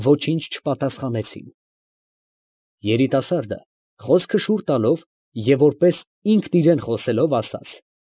Ոչինչ չպատասխանեցին։ Երիտասարդը խոսքը շուռ տալով, և որպես ինքն իրան խոսելով, ասաց. ֊